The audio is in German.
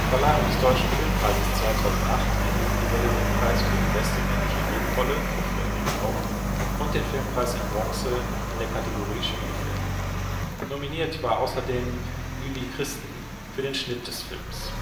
Verleihung des Deutschen Filmpreises 2008 erhielt Die Welle den Preis für die Beste männliche Nebenrolle (Frederick Lau) und den Filmpreis in Bronze in der Kategorie Spielfilm. Nominiert war außerdem Ueli Christen für den Schnitt des Films.